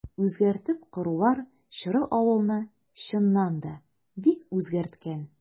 Үзгәртеп корулар чоры авылны, чыннан да, бик үзгәрткән.